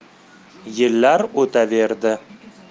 yillar o'taverdi